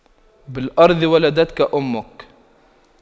بالأرض ولدتك أمك